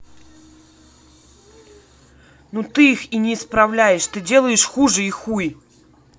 ну ты их не исправляешь ты делаешь хуже и хуй